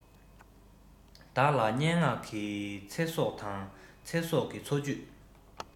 བདག ལ སྙན ངག གི ཚེ སྲོག དང ཚེ སྲོག གི འཚོ བཅུད